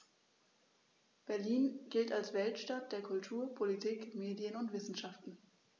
Berlin gilt als Weltstadt der Kultur, Politik, Medien und Wissenschaften.